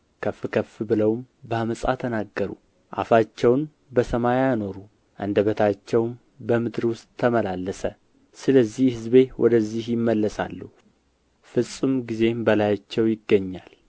ከፍ ከፍ ብለውም በዓመፃ ተናገሩ አፋቸውን በሰማይ አኖሩ አንደበታቸውም በምድር ውስጥ ተመላለሰ ስለዚህ ሕዝቤ ወደዚህ ይመለሳሉ ፍጹም ጊዜም በላያቸው ይገኛል